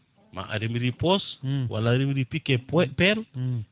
ma a remiri poche walla a remiri pick e pelle